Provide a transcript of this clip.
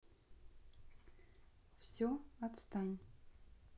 все отстань